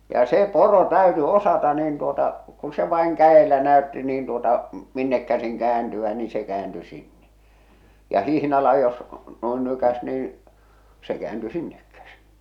ja se poro täytyi osata niin tuota kun se vain kädellä näytti niin tuota minne käsin kääntyä niin se kääntyi sinne ja hihnalla jos noin nykäisi niin se kääntyi sinne käsin